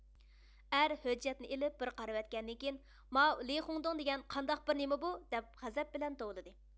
ئەر ھۆججەتنى ئېلىپ بىر قارىۋەتكەندىن كېيىن ماۋۇلىخېڭدوڭ دېگەن قانداق بىر نېمە بۇ دەپ غەزەپ بىلەن توۋلىدى